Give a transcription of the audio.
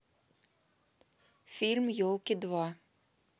фильм елки два